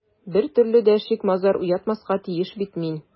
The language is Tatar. Бер төрле дә шик-мазар уятмаска тиеш бит мин...